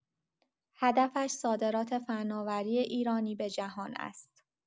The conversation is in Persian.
هدفش صادرات فناوری ایرانی به جهان است.